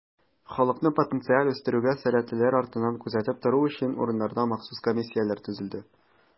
Халыкны потенциаль үстерүгә сәләтлеләр артыннан күзәтеп тору өчен, урыннарда махсус комиссияләр төзелде.